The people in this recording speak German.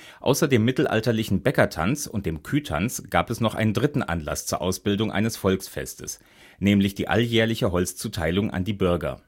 Außer dem mittelalterlichen Bäckertanz und dem Kühtanz gab es noch einen dritten Anlass zur Ausbildung eines Volksfestes, nämlich die alljährliche Holzzuteilung an die Bürger